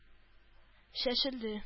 Чәчелде